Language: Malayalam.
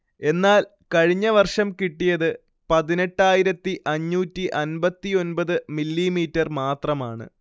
എന്നാൽ കഴിഞ്ഞ വർഷം കിട്ടിയത് പതിനെണ്ണായിരത്തി അഞ്ഞൂറ്റി അൻപത്തിഒൻപത് മില്ലീമീറ്റർ മാത്രമാണ്